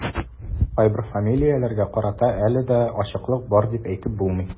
Кайбер фамилияләргә карата әле дә ачыклык бар дип әйтеп булмый.